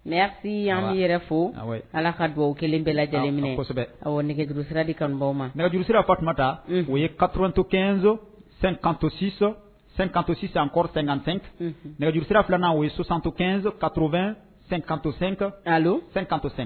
Mɛsi' yɛrɛ fɔ ala ka dugawu kelen bɛɛ lajɛlenminɛ kosɛbɛ aw nɛgɛjurusiradi kanubaw ma nɛgɛurusisirara fɔ tumata u ye katoonto kɛnɛnso san kansi san kansi an kɔrɔ senkan2 nɛgɛurusisira filanan' o ye sosanto kɛnso katobɛn san kansen a san kansen